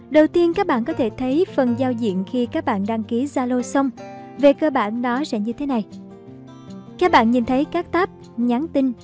đầu tiên các bạn có thể thấy phần giao diện khi các bạn đăng ký zalo xong về cơ bản nó sẽ như thế này các bạn nhìn thấy các tab nhắn tin